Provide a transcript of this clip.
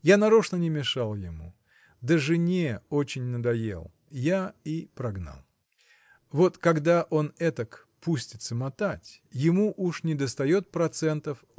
Я нарочно не мешал ему, да жене очень надоел: я и прогнал. Вот когда он этак пустится мотать ему уж недостает процентов